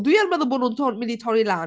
Dwi yn meddwl bo' nhw'n to- mynd i torri lan.